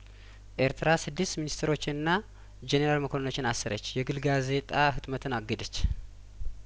ኤርትራ ስድስት ሚኒስትሮችንና ጄኔራል መኮንኖችን አሰረች የግል ጋዜጣ ህትመትን አገደች